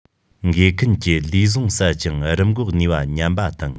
འགོས མཁན གྱི ལུས ཟུངས ཟད ཅིང རིམས འགོག ནུས པ ཉམས པ དང